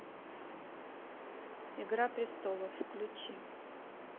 игра престолов включи